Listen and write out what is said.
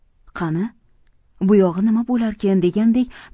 qani bu yog'i nima bo'larkin degandek